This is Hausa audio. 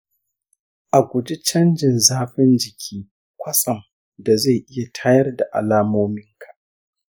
a guji canjin zafin jiki kwatsam da zai iya tayar da alamominka.